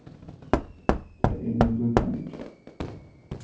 tað er nú líkamikið